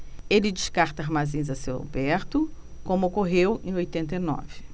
ele descarta armazéns a céu aberto como ocorreu em oitenta e nove